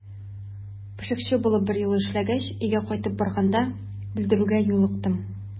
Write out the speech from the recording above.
Пешекче булып бер ел эшләгәч, өйгә кайтып барганда белдерүгә юлыктым.